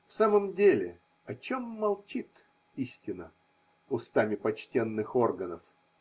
В самом деле, о чем мол чит истина устами почтенных органов?